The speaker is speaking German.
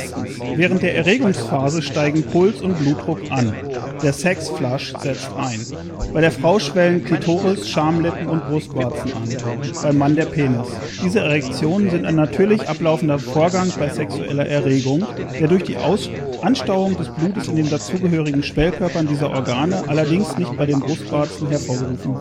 Während der Erregungsphase steigen Puls und Blutdruck an: der „ Sex flush “setzt ein. Bei der Frau schwellen Klitoris, Schamlippen und Brustwarzen an, beim Mann der Penis. Diese Erektionen sind ein natürlich ablaufender Vorgang bei sexueller Erregung, der durch die Anstauung des Blutes in den dazugehörigen Schwellkörpern dieser Organe (allerdings nicht bei den Brustwarzen) hervorgerufen